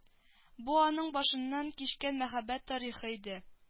Бу аның башыннан кичкән мәхәббәт тарихы иде